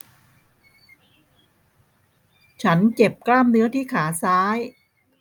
ฉันเจ็บกล้ามเนื้อที่ขาซ้าย